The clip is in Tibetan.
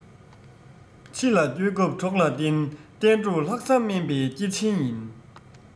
ཕྱི ལ སྐྱོད སྐབས གྲོགས ལ བརྟེན བསྟན འགྲོར ལྷག བསམ སྨན པའི སྐྱེ ཆེན ཡིན